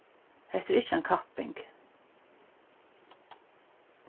hetta er ikki ein kapping